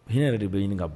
Hinɛ yɛrɛ de bɛ ɲini ka b